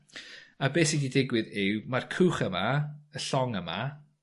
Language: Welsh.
A beth sy 'di digwydd yw mae'r cwch yma y llong yma